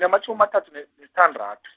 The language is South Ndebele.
nginamatjhumi amathathu ne- nesithandathu.